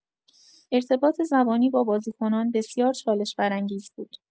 ارتباط زبانی با بازیکنان بسیار چالش‌برانگیز بود.